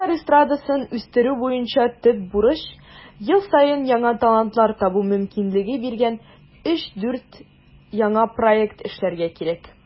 Татар эстрадасын үстерү буенча төп бурыч - ел саен яңа талантлар табу мөмкинлеге биргән 3-4 яңа проект эшләргә кирәк.